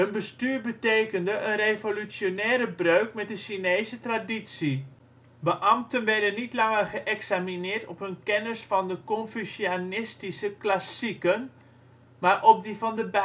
bestuur betekende een revolutionaire breuk met de Chinese traditie: Beambten werden niet langer meer geëxamineerd op hun kennis van de Confucianistische klassieken, maar op die van de bijbel. Het